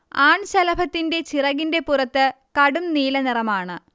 ആൺശലഭത്തിന്റെ ചിറകിന്റെ പുറത്ത് കടും നീലനിറമാണ്